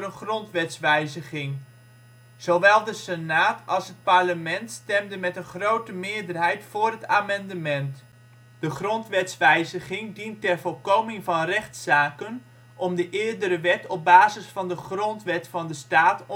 grondwetswijziging. Zowel de Senaat als het het parlement stemden met een grote meerderheid voor het amendement. De grondwetswijziging dient ter voorkoming van rechtszaken om de eerdere wet op basis van de grondwet van de staat